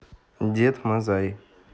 дед мазай